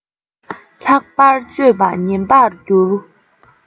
ལྷག པར སྤྱོད པ ངན པར འགྱུར